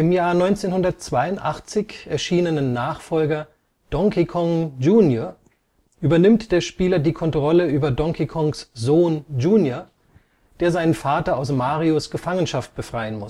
Jahr 1982 erschienenen Nachfolger Donkey Kong Junior übernimmt der Spieler die Kontrolle über Donkey Kongs Sohn Junior, der seinen Vater aus Marios Gefangenschaft befreien